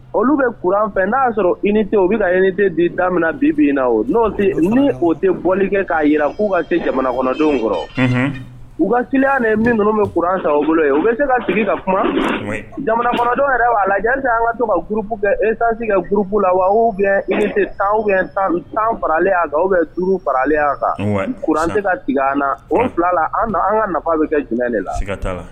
Olu bɛ kuran fɛ n'a'a sɔrɔ i ni tɛ u bɛ i ni tɛ di daminɛ bi bi na n'o ni o tɛ bɔli kɛ k'a jira k'u ka se jamana kɔnɔdenw kɔrɔ u ka ciya ni min bɛ kuran san u bolo u bɛ se ka sigi ka kuma jamana kɔnɔdenw yɛrɛ ala an ka to ka gp kɛ esanse ka gp la wa i tan tan tan farale a kan bɛ farale a kan kuran tɛ ka an o fila la an an ka nafa bɛ kɛ la